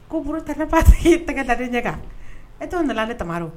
Ko tan ne paseke' tɛgɛ la ɲɛ kan e to nana de tamaru